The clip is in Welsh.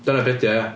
Dyna be 'di o ia.